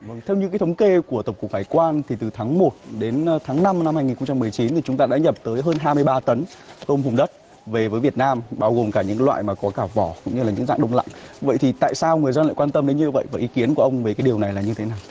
theo như cái thống kê của tổng cục hải quan thì từ tháng một đến tháng năm năm hai nghìn không trăm mười chín thì chúng ta đã nhập tới hơn hai mươi ba tấn tôm hùm đất về với việt nam bao gồm cả những loại mà có cả vỏ cũng như là những dạng đông lạnh vậy thì tại sao người dân lại quan tâm đến như vậy và ý kiến của ông về cái điều này là như thế nào